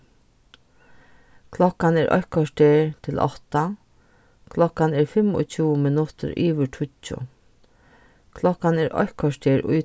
klokkan er eitt korter til átta klokkan er fimmogtjúgu minuttir yvir tíggju klokkan er eitt korter í